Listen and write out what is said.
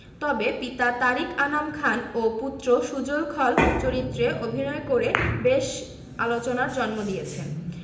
তবে পিতা তারিক আনাম খান ও পুত্র সুজন খল চরিত্রে অভিনয় করে বেশ আলোচনার জন্ম দিয়েছেন